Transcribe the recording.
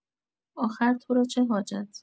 آخر تو را چه حاجت؟